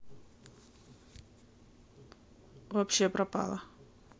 вообще пропала